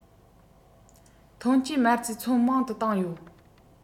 ཐོན སྐྱེད མ རྩའི མཚོན མང དུ བཏང ཡོད